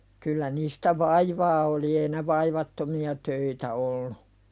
kyllä niistä vaivaa oli ei ne vaivattomia töitä ollut